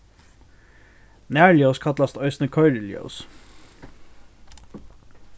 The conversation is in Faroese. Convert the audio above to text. nærljós kallast eisini koyriljós